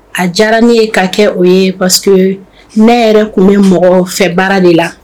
A diyara ne ye ka kɛ o ye patu ye ne yɛrɛ tun bɛ mɔgɔ fɛ baara de la